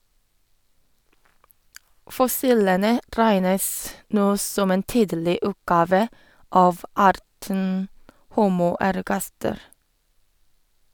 Fossilene regnes nå som en tidlig utgave av arten Homo ergaster.